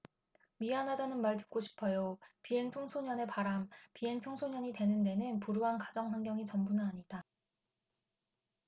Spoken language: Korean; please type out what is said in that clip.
미안하다는 말 듣고 싶어요 비행청소년의 바람 비행청소년이 되는 데는 불우한 가정환경이 전부는 아니다